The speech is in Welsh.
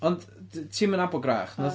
Ond ti ddim yn nabod gwrach?... Na